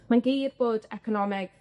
Mae'n glir bod economeg